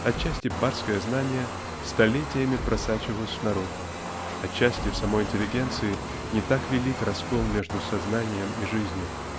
отчасти барское знание столетиями просачивалось в народ отчасти в самой интеллигенции не так велик раскол между сознанием и жизнью.